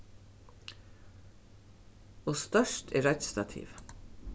og stórt er reiggjustativið